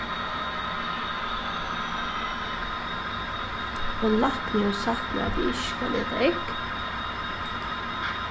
ein lækni hevur sagt mær at eg ikki skal eta egg